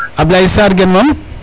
Ablay Sarr gen mam ,